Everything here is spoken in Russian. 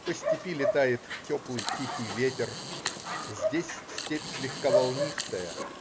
По степи летает теплый, тихий ветер. Здесь степь слегка волнистая.